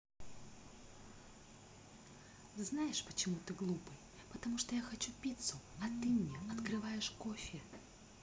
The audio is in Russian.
знаешь почему ты глупый потому что я хочу пиццу а ты мне открываешь кофе